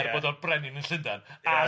er bod o'r brenin yn Llundain... Ia...